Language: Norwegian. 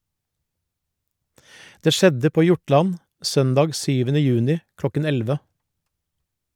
Det skjedde på Hjortland, søndag 7. juni kl. 11.